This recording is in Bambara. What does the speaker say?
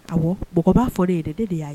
Awɔ, mɔgɔ m'a fɔ ne ye dɛ, ne de y'a ye.